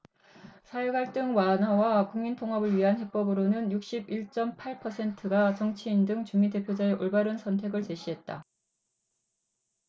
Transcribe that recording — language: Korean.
사회갈등 완화와 국민통합을 위한 해법으로는 육십 일 쩜 팔 퍼센트가 정치인 등 주민대표자의 올바른 선택을 제시했다